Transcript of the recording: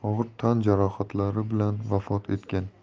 tan jarohatlari bilan vafot etgan